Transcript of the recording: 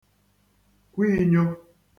kwu inyo